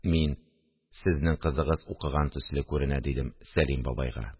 Мин: – Сезнең кызыгыз укыган төсле күренә, – дидем Сәлим бабайга